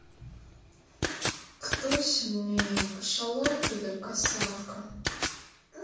кто сильнее кашалот или касатка